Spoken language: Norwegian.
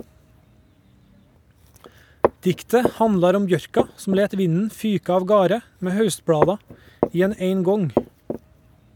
Diktet handlar om bjørka som let vinden fyka avgarde med haustblada i ein eingong.